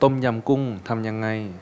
ต้มยำกุ้งทำยังไง